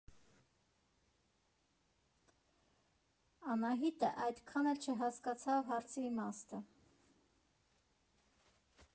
Անահիտը այդքան էլ չհասկացավ հարցի իմաստը։